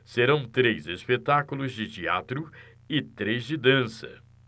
serão três espetáculos de teatro e três de dança